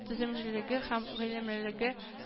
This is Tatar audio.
Түземлелеге һәм гыйлемлелеге